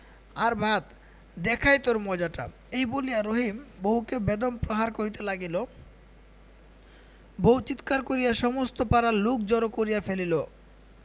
আর ভাত দেখাই তোর মজাটা এই বলিয়া রহিম বউকে বেদম প্রহার করিতে লাগিল বউ চিৎকার করিয়া সমস্ত পাড়ার লোক জড় করিয়া ফেলিল